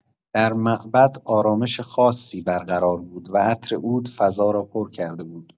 در معبد آرامش خاصی برقرار بود و عطر عود فضا را پر کرده بود.